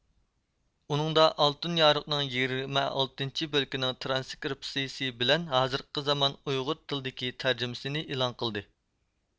ئۇنىڭدا ئالتۇن يارۇقنىڭ يىگىرمە ئالتىنچى بۆلىكىنىڭ ترانسكرىپسىيىسى بىلەن ھازىرقى زامان ئۇيغۇر تىلىدىكى تەرجىمىسىنى ئېلان قىلدى